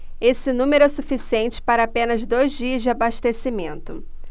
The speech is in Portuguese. esse número é suficiente para apenas dois dias de abastecimento